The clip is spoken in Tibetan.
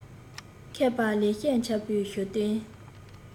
མཁས པ ལེགས བཤད འཆད པའི ཞུ རྟེན